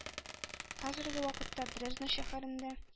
Хәзерге вакытта дрезден шәһәрендә